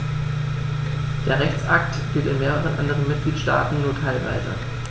Der Rechtsakt gilt in mehreren anderen Mitgliedstaaten nur teilweise.